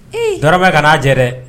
Dɔ bɛ ka n'a jɛ dɛ